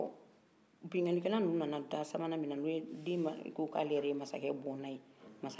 bingali kɛla nunu da sabanan min na ni den ko k'ale yɛrɛ ye masakɛ bɔna ye